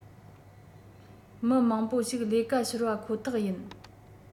མི མང པོ ཞིག ལས ཀ ཤོར བ ཁོ ཐག ཡིན